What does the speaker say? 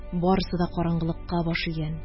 Барысы да караңгылыкка баш игән